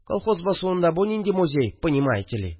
Колхоз басуында бу нинди музей, понимаете ли